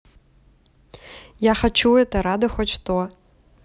я хочу это рада хоть что